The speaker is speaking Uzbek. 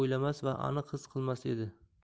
o'ylamas va aniq his qilmas edi